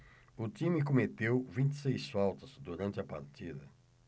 o time cometeu vinte e seis faltas durante a partida